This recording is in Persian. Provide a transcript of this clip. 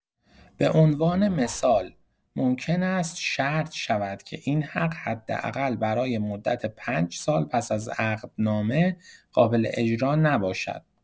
به‌عنوان مثال، ممکن است شرط شود که این حق حداقل برای مدت ۵ سال پس از عقدنامه قابل‌اجرا نباشد.